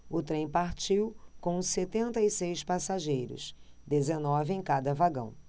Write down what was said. o trem partiu com setenta e seis passageiros dezenove em cada vagão